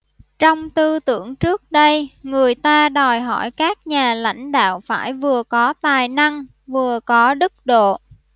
trong tư tưởng trước đây người ta đòi hỏi các nhà lãnh đạo phải vừa có tài năng vừa có đức độ